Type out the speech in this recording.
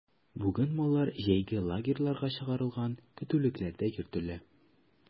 Бүген маллар җәйге лагерьларга чыгарылган, көтүлекләрдә йөртелә.